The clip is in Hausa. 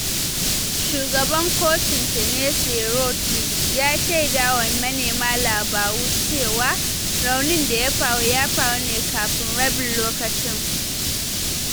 Shugaban kocin Tennessee Rod Reed ya shaida wa manema labaru cewa raunin da ya faru ya faru ne kafin rabin lokaci.